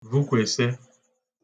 vukwese